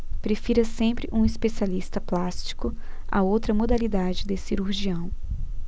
prefira sempre um especialista plástico a outra modalidade de cirurgião